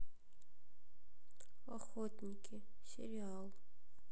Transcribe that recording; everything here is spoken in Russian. охотники сериал